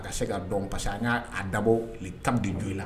A ka se ka dɔn pa an y'a dabɔ tanbi jo la